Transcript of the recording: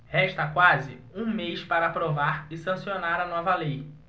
resta quase um mês para aprovar e sancionar a nova lei